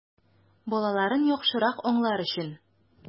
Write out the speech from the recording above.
Балаларын яхшырак аңлар өчен!